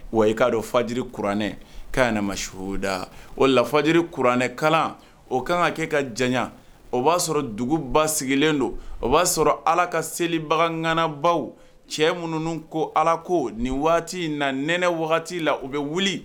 Wa i k'a don fajiri kuranɛ k ka mada o lafajiri kuranɛ kala o ka kan ka kɛ ka janɲa o b'a sɔrɔ duguba sigilen don o b'a sɔrɔ ala ka seli baganganaba cɛ minnu ko ala ko nin waati in na nɛnɛ wagati la u bɛ wuli